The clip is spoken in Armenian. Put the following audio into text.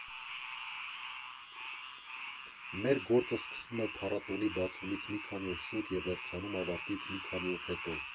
Մեր գործը սկսվում է փառատոնի բացումից մի քանի օր շուտ և վերջանում ավարտից մի քանի օր հետո։